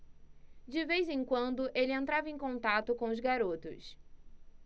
de vez em quando ele entrava em contato com os garotos